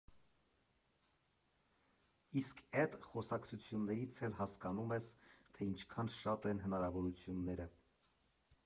Իսկ էդ խոսակցություններից էլ հասկանում ես, թե ինչքան շատ են հնարավորությունները։